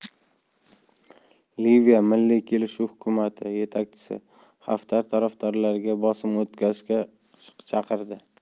liviya milliy kelishuv hukumati yetakchisi xaftar tarafdorlariga bosim o'tkazishga chaqirdi